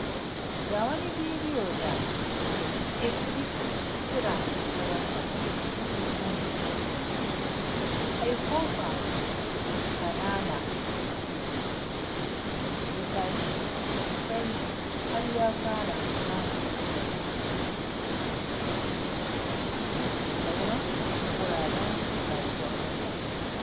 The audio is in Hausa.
Ga wani bidiyo da avyalvitra ya wallafa da ke nuna yadda kogin Ikopa a Antananarivo ya tashi sosai har ya fara mamaye gidaje da sauran wuraren rayuwar mutane.